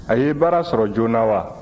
a ye baara sɔrɔ joona wa